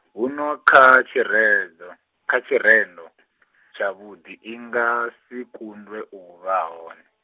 huno kha tshiredzo, kha tshirendo , tshavhuḓi i nga si kundwe u vha hone.